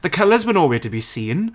The colours were no where to be seen.